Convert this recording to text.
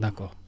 d" accord